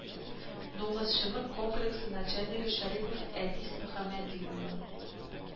Дуңгызчылык комплексы начальнигы шәрипов әдис мөхәммәди улы